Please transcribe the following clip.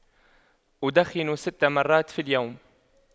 أدخن ست مرات في اليوم